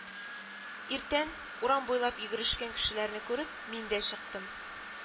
Иртән, урам буйлап йөгерешкән кешеләрне күреп, мин дә чыктым